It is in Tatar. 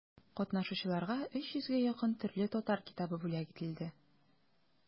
Катнашучыларга өч йөзгә якын төрле татар китабы бүләк ителде.